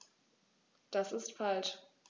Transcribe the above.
Das ist falsch.